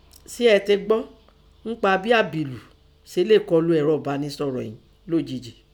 Sé ẹ tẹ gbọ́ ńpa bín àbẹ̀lú se léè kọlu ẹ̀rọ ẹ̀bánisọ̀rọ̀ ìín lójijì?